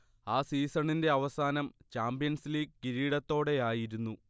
ആ സീസണിന്റെ അവസാനം ചാമ്പ്യൻസ് ലീഗ് കിരീടത്തോടെയായിരുന്നു